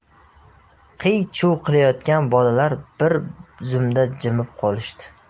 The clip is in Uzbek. qiy chuv qilayotgan bolalar bir zumda jimib qolishdi